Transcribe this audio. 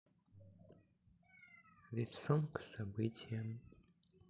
лицом к событиям